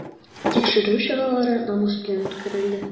Тикшерү чаралары намус белән үткәрелде.